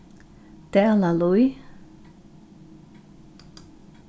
dalalíð